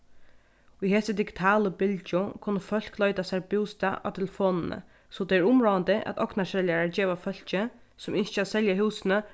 í hesi digitalu bylgju kunnu fólk leita sær bústað á telefonini so tað er umráðandi at ognarseljarar geva fólki sum ynskja at selja húsini